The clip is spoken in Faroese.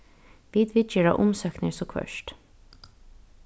vit viðgera umsóknir so hvørt